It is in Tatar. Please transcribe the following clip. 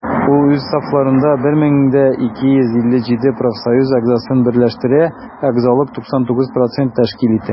Ул үз сафларында 1257 профсоюз әгъзасын берләштерә, әгъзалык 99 % тәшкил итә.